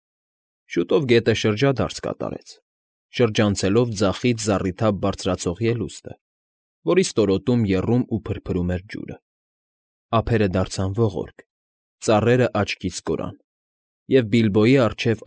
Շուտով գետը շրջադարձ կատարեց՝ շրջանցելով ձախից զառիթափ բարձրացող ելուստը, որի ստորոտում եռում ու փրփրում էր ջուրը, ափերը դարձան ողորկ, ծառերն աչքից կորան, և Բիլբոյի առջև։